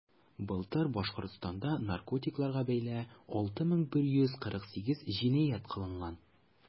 Былтыр Башкортстанда наркотикларга бәйле 6148 җинаять кылынган.